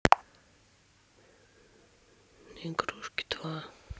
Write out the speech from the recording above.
игрушки тва